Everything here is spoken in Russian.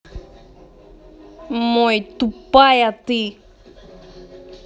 мой тупая ты